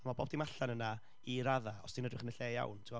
Ma' bob dim allan yna i raddau, os ti'n edrych yn y lle iawn, ti'n gwbod.